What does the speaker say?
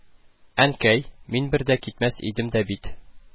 – әнкәй, мин бер дә китмәс идем дә бит